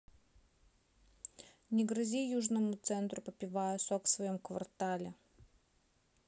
не грози южному центру попивая сок в своем квартале